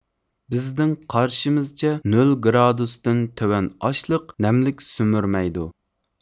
بىزنىڭ قارىشىمىزچە نۆل گرادۇستىن تۆۋەن ئاشلىق نەملىك سۈمۈرمەيدۇ